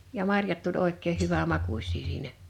ja marjat tuli oikein hyvänmakuisia siinä